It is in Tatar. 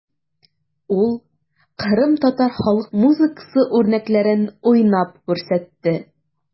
Ул кырымтатар халык музыкасы үрнәкләрен уйнап күрсәтте.